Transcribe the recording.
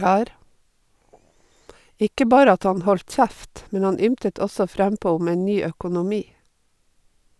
Ikke bare at han holdt kjeft, men han ymtet også frempå om en ny økonomi.